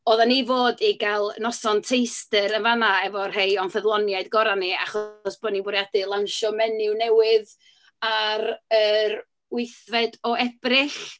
Oedden ni'n fod i gael noson taster yn fan'na efo rhai o'n ffyddloniaid gorau ni, achos bo' ni'n bwriadu lansio menu newydd ar yr wythfed o Ebrill.